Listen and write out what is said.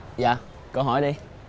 dạ cô hỏi đi